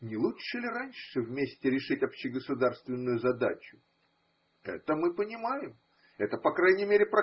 Не лучше ли раньше вместе решить общегосударственную задачу? – Это мы понимаем. Это, по крайней мере.